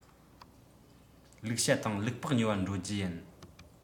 ལུག ཤ དང ལུག ལྤགས ཉོ བར འགྲོ རྒྱུ ཡིན